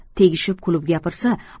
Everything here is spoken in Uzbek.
tegishib kulib gapirsa